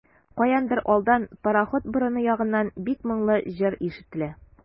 Каяндыр алдан, пароход борыны ягыннан, бик моңлы җыр ишетелә.